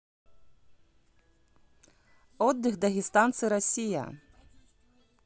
отдых дагестанцы россия